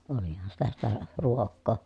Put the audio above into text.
olihan sitä sitä ruokaa